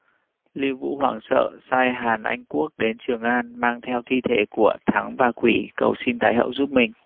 lưu vũ hoảng sợ sai hàn an quốc đến trường an mang theo thi thể của thắng và quỷ cầu xin thái hậu giúp mình